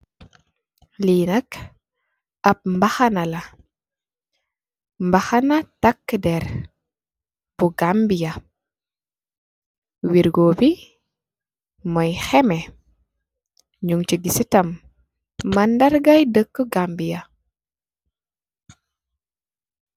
Lii nak mbaxana la, ab mbaxana takkë dér la bu Gambiya. Wergoo bi, mooy xémé, ñuñ si gis nak, mandarga rëwu Gambiya.